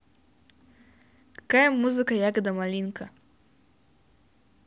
какая музыка ягода малинка